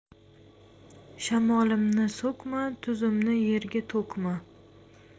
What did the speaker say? shamolimni so'kma tuzimni yerga to'kma